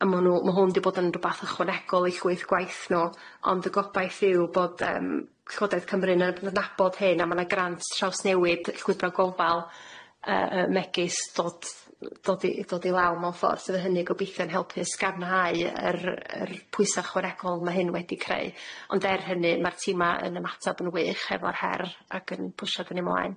a ma' n'w ma' hwn di bod yn rwbath ychwanegol i llwyth gwaith n'w ond y gobaith yw bod yym llywodaeth Cymru yn y- adnabod hyn a ma' na grant trawsnewid ll gofal yy y megis dod- y- dod i dod i lawr mewn ffor so fydd hynny gobeithio'n helpu ysgafnhau yr- yr- pwysa' ychwanegol ma' hyn wedi creu ond er hynny ma'r tima yn ymatab yn wych efo'r her ac yn pwsiog yn i mlaen.